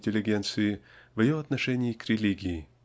интеллигенции в ее отношении к религии.